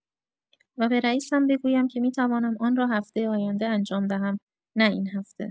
و به رئیسم بگویم که می‌توانم آن را هفته آینده انجام دهم، نه این هفته.